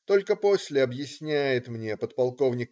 Только после объясняет мне подполк.